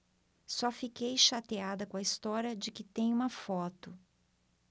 só fiquei chateada com a história de que tem uma foto